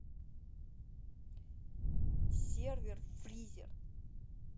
сервер фризер